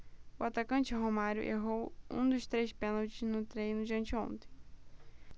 o atacante romário errou um dos três pênaltis no treino de anteontem